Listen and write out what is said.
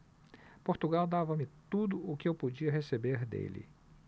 portugal dava-me tudo o que eu podia receber dele